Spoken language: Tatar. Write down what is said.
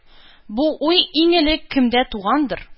Бу уй иң элек кемдә тугандыр